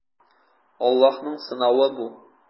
Аллаһның сынавы бу.